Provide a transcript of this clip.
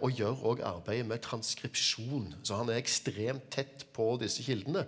og gjør òg arbeidet med transkripsjon, så han er ekstremt tett på på disse kildene.